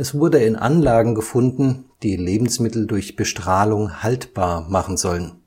wurde in Anlagen gefunden, die Lebensmittel durch Bestrahlung haltbar machen sollen